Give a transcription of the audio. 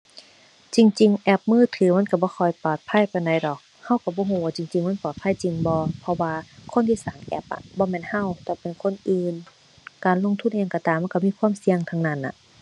จริงจริงแอปมือถือมันก็บ่ค่อยปลอดภัยปานใดดอก ก็ก็บ่ก็ว่าจริงจริงมันปลอดภัยจริงบ่ เพราะว่าคนที่สร้างแอปอะ บ่แม่นก็ แต่เป็นคนอื่น การลงทุนอิหยังก็ตาม มันก็มีความเสี่ยงทั้งนั้นอะ